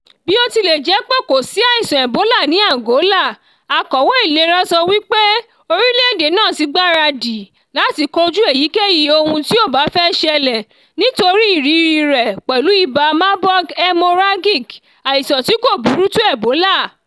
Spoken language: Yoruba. Bí ó tilẹ̀ jẹ́ pé kò sí àìsàn Ebola ní Angola, akọ̀wé ìlera sọ wí pé orílẹ̀ èdè náà ti gbára dì láti kojú èyíkéyìí ohun tí ó bá fẹ́ ṣẹlẹ̀ nítorí ìrírí rẹ̀ pẹ̀lú ibà Marburg haemorrhagic, àìsàn tí kò burú tó Ebola.